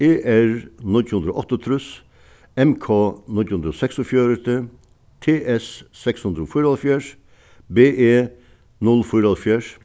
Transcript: e r níggju hundrað og áttaogtrýss n k níggju hundrað og seksogfjøruti t s seks hundrað og fýraoghálvfjerðs b e null fýraoghálvfjerðs